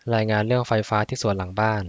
รายงานเรื่องไฟฟ้าที่สวนหลังบ้าน